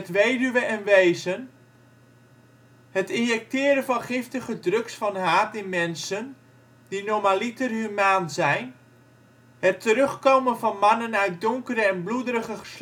weduwen en wezen, het injecteren van giftige drugs van haat in mensen, die normaliter humaan zijn, het terugkomen van mannen uit donkere en bloederige